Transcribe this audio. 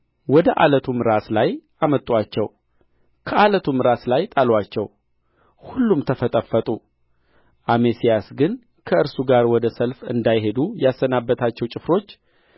ወደ ዓለቱም ራስ ላይ አመጡአቸው ከዓለቱም ራስ ላይ ጣሉአቸው ሁሉም ተፈጠፈጡ አሜስያስ ግን ከእርሱ ጋር ወደ ሰልፍ እንዳይሄዱ ያሰናበታቸው ጭፍሮች